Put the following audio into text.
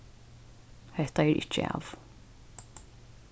hetta er ikki av